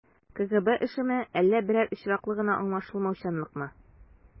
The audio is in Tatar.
КГБ эшеме, әллә берәр очраклы гына аңлашылмаучанлыкмы?